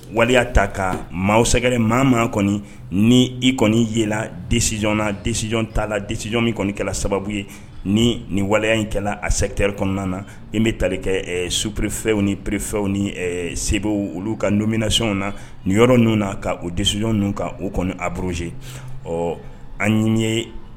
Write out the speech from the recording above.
Waliya ta ka maa sɛgɛrɛ maa man kɔni ni i kɔni yela desiy na desijɔn t'la desijin kɔnikɛla sababu ye ni waleya inkɛla a sɛgteri kɔnɔna na n bɛ taali kɛ supurrifɛnw ni perepfɛw ni se olu ka donminyw na nin yɔrɔ ninnu na ka u desiyɔn ninnu ka u kɔni aburuze ɔ an ɲini ye